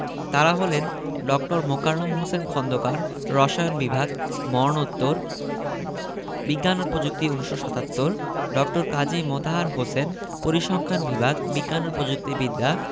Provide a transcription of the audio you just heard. তাঁরা হলেন ড. মোকাররম হোসেন খন্দকার রসায়ন বিভাগ মরণোত্তর বিজ্ঞান ও প্রযুক্তি ১৯৭৭ ড. কাজী মোতাহার হোসেন পরিসংখ্যান বিভাগ বিজ্ঞান ও প্রযুক্তি বিদ্যা